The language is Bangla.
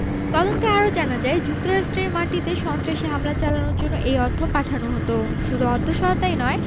তদন্তে আরও জানা যায় যুক্তরাষ্ট্রের মাটিতে সন্ত্রাসী হামলা চালানোর জন্য এই অর্থ পাঠানো হতো শুধু অর্থসহায়তাই নয়